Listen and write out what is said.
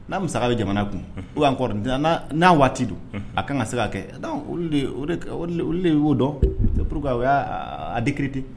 N'a masasa bɛ jamana kun o y'an kɔrɔ n'a waati don a ka kan ka se' kɛ dɔn de'o dɔn p walasaur o y' adikiririte